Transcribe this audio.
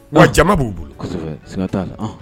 Wa jama b'u bolo, kosɛbɛ siga t'a la